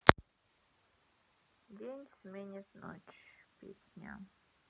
день сменит ночь песня